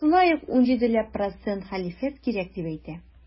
Шулай ук 17 ләп процент хәлифәт кирәк дип әйтә.